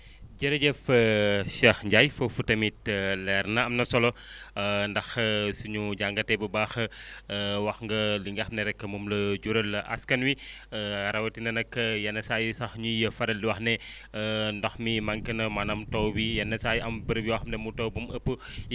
jërëjëf Cheikh Ndiaye foofu tamit leer na am na solo ndax su ñu jàngatee bu baax wax nga li nga xam ne rek moom la jural askan wi rawatina nag yenn saa yi sax ñuy faral di wax ne ndox mi manqué na maanaam taw bi yenn saa yi am prévision yoo xam ne mu taw ba mu ëpp